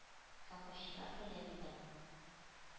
Колхозчылар таләп итә